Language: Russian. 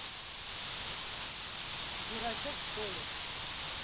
дурачок что ли